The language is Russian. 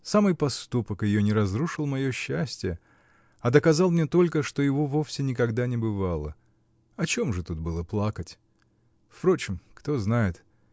Самый проступок ее не разрушил мое счастие, а доказал мне только, что его вовсе никогда не бывало. О чем же тут было плакать? Впрочем, кто знает?